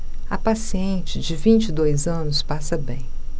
a paciente de vinte e dois anos passa bem